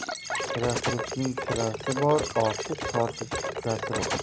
shirafurushning shirasi bor ortish tortish kirasi bor